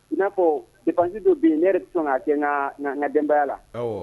N'a fɔ defaj bɛ ne sɔn ka gɛn kaga denbaya la